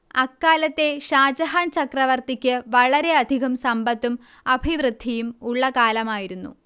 അക്കാലത്തെ ഷാജഹാൻ ചക്രവർത്തിക്ക് വളരെയധികം സമ്പത്തും അഭിവൃദ്ധിയും ഉള്ള കാലമായിരുന്നു